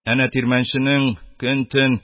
Әнә тирмәнченең көн-төн